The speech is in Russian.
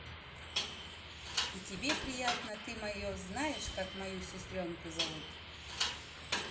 и тебе приятно ты мое знаешь как мою сестренку зовут